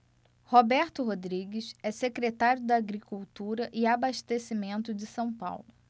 roberto rodrigues é secretário da agricultura e abastecimento de são paulo